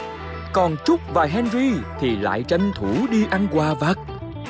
còn trúc và hen ri thì lại tranh thủ đi ăn quà vặt